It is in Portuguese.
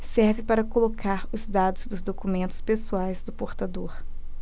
serve para colocar os dados dos documentos pessoais do portador